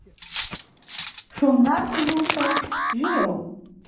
Шуннан, Илюша, җыел.